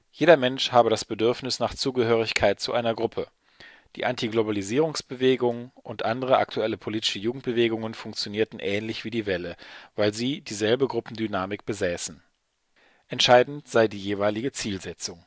Jeder Mensch habe das Bedürfnis nach Zugehörigkeit zu einer Gruppe. Die Antiglobalisierungsbewegung und andere aktuelle politische Jugendbewegungen funktionierten ähnlich wie die Welle, weil sie dieselbe Gruppendynamik besäßen. Entscheidend sei die jeweilige Zielsetzung